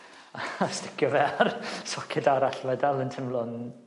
A sticio fe ar soced arall. Mae dal yn timlo'n